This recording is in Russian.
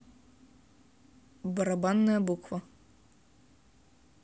барабанная буква